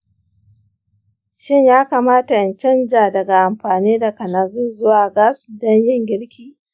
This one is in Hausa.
shin ya kamata in canza daga amfani da kananzir zuwa gas don yin girki?